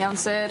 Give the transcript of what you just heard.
Iawn Syr.